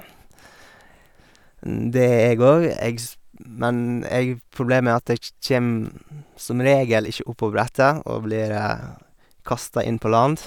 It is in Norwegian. Det er jeg òg, jeg s men jeg problemet er at jeg ikke kjem som regel ikke opp på brettet og blir kasta inn på land.